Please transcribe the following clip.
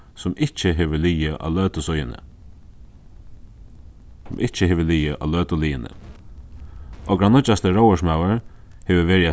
sum ikki hevur ligið á løtu síðuni ikki hevur ligið á løtu liðini okra nýggjasti róðursmaður hevur verið at